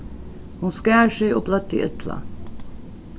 hon skar seg og bløddi illa